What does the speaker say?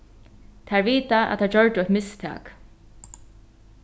tær vita at tær gjørdu eitt mistak